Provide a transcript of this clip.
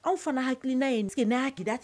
Anw fana hakilikiina ye n'akida ta